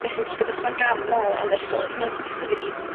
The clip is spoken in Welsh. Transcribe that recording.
be sy'n digwydd achos ma'n gam mor anferthol hyd yn oed pan ti'n symud i